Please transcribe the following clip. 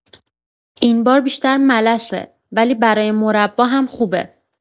این بار بیشتر ملسه، ولی برای مربا هم خوبه.